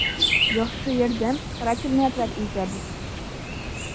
«яхшы ярдәм, карательный отряд илтәбез...»